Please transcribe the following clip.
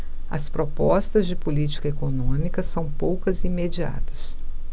as propostas de política econômica são poucas e imediatas